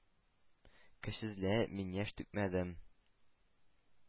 Көчсезләнеп, мин яшь түкмәдем.